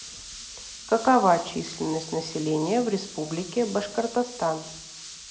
какова численность населения в республике башкортостан